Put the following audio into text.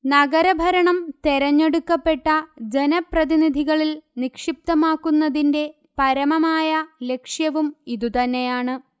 നഗരഭരണം തെരഞ്ഞെടുക്കപ്പെട്ട ജനപ്രതിനിധികളിൽ നിക്ഷിപ്തമാക്കുന്നതിന്റെ പരമമായ ലക്ഷ്യവും ഇതുതന്നെയാണ്